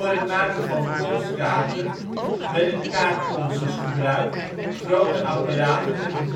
het maken van ponskaarten werden kaartponsers gebruikt, grote apparaten met een